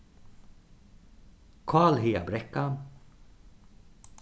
kálhagabrekka